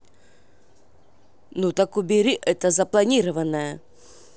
ну так убери это запланированное